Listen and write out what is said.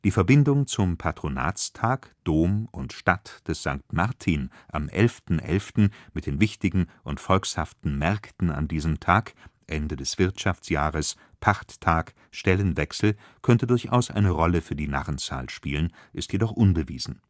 Verbindung zum Patronatstag (Dom und Stadt) des St. Martin am 11. 11. mit den wichtigen und volkshaften Märkten an diesem Tag (Ende des Wirtschaftsjahres, Pachttag, Stellenwechsel) könnte durchaus eine Rolle für die Narrenzahl spielen, ist jedoch unbewiesen